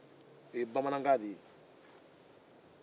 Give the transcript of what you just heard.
o ye bamanankan de ye